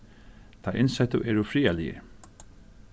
teir innsettu eru friðarligir